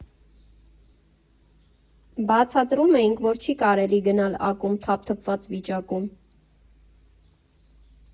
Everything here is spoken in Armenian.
Բացատրում էինք, որ չի կարելի գնալ ակումբ թափթփված վիճակում։